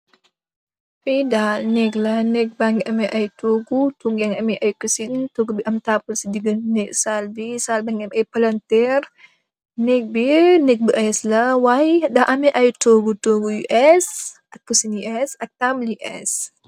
Fii daal nëëk la, nëëk baa ngi am ay toogu, toogu yaa ngi am ay kusin, toogu bi am taabul si diggë Saal bi. Saal bi mu ngi am ay palanteer. Nëëk bi, nëëk bu eesla, waay, daa am ay toogu, toogu yu, ees, ak kusi yu ees ak ay taabul yu ees.